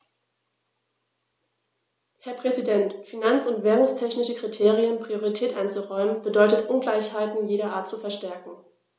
Herr Präsident, finanz- und währungstechnischen Kriterien Priorität einzuräumen, bedeutet Ungleichheiten jeder Art zu verstärken.